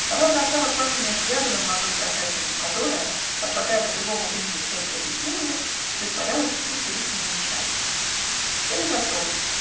Она бросала пламенные взгляды на молодую проказницу, которая, отлагая до другого времени всякие объяснения, притворялась, будто их не замечает. Сели за стол.